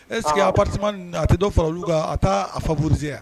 E sigipsi a tɛ dɔw fara olu kan a taa a fauruzsiya